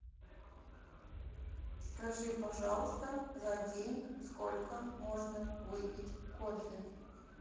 скажи пожалуйста за день сколько можно выпить кофе